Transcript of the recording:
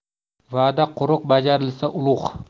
va'da quruq bajarilsa ulug'